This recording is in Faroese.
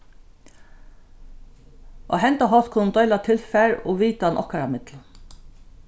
á hendan hátt kunnu vit deila tilfar og vitan okkara millum